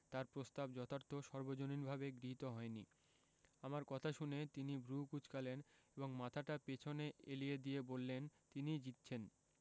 তাঁর প্রস্তাব যথার্থ সর্বজনীনভাবে গৃহীত হয়নি আমার কথা শুনে তিনি ভ্রু কুঁচকালেন এবং মাথাটা পেছন এলিয়ে দিয়ে বললেন তিনিই জিতছেন